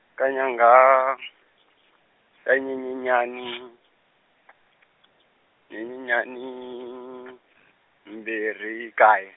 ka nyanga , ka Nyenyenyani , Nyenyenyani, mbirhi nkaye.